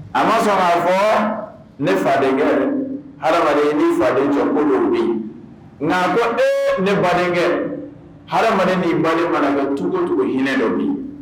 A ma sɔn ka fɔ ne fadenkɛ hadamaden i ni faden cɛ ko dɔ be yen. Nka ko ee ne badenkɛ hadamaden nin baden cɛ a mana kɛ cogo cogo hinɛ dɔ be yen.